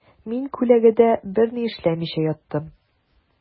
Мин күләгәдә берни эшләмичә яттым.